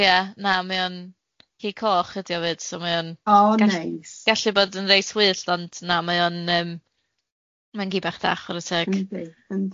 Ia na, mae o'n ci coch ydy o fyd, so mae o'n... O neis... gallu gallu bod yn reit wyllt, ond na, mae o'n yym mae'n gi bach da chwara teg.